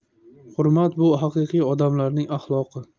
hurmat bu haqiqiy odamlarning axloqi